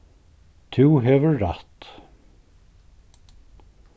tú hevur rætt